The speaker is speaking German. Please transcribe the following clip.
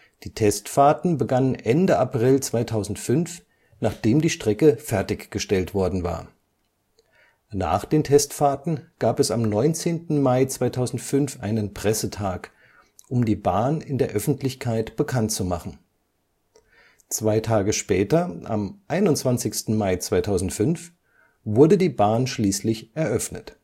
Die Testfahrten begannen Ende April 2005, nachdem die Strecke fertiggestellt worden war. Nach den Testfahrten gab es am 19. Mai 2005 einen Pressetag, um die Bahn in der Öffentlichkeit bekannt zu machen. Zwei Tage später, am 21. Mai 2005, wurde die Bahn schließlich eröffnet